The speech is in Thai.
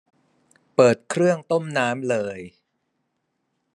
เปิดเครื่องต้มน้ำเลย